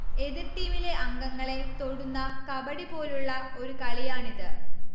എതിർ ടീമിലെ അംഗങ്ങളെ തൊടുന്ന കബഡിപോലുള്ള ഒരു കളിയാണിത്